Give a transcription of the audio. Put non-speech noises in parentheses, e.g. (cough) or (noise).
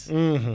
(hesitation) (hesitation)